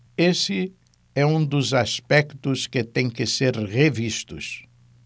esse é um dos aspectos que têm que ser revistos